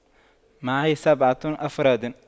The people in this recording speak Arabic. معي سبعة أفراد